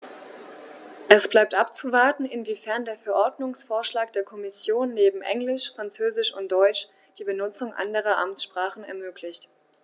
Es bleibt abzuwarten, inwiefern der Verordnungsvorschlag der Kommission neben Englisch, Französisch und Deutsch die Benutzung anderer Amtssprachen ermöglicht.